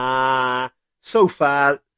a so far